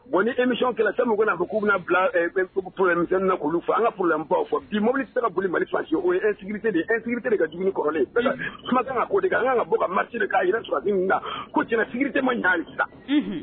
Wa ni emi kɛlɛ se min n na a ko k'u bɛna bila seguoroni na'olu fɔ an ka furu baw fɔ bi mɔbili sera ka boli mali fasi o tɛ de ete de ka dumuni kɔrɔlen kuma de an' bɔ ka masisiri k'a yɛrɛ fila na ko jɛnɛsigi tɛ ma ɲɛ